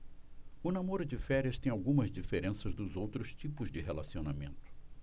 o namoro de férias tem algumas diferenças dos outros tipos de relacionamento